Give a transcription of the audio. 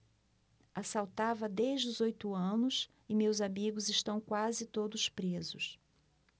assaltava desde os oito anos e meus amigos estão quase todos presos